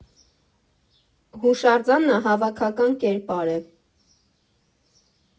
Հուշարձանը հավաքական կերպար է.